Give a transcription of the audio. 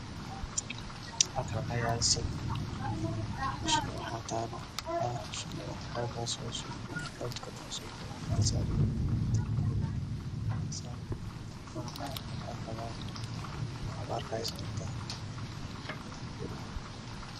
Gashaan labo geed oo caleemo waxay iga muuqdo